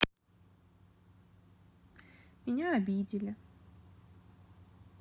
меня обидели